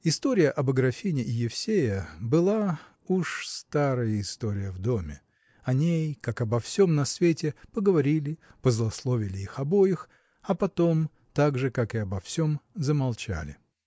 История об Аграфене и Евсее была уж старая история в доме. О ней как обо всем на свете поговорили позлословили их обоих а потом так же как и обо всем замолчали.